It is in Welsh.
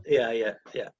Ia ia ie.